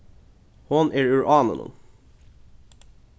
hon er úr ánunum